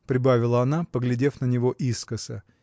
– прибавила она, поглядев на него искоса.